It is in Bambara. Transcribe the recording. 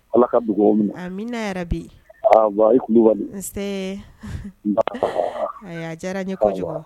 Ala ka amina yɛrɛ bi nse a y'a diyara n ye kojugu